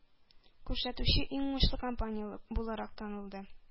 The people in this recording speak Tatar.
Күрсәтүче иң уңышлы компания буларак танылды.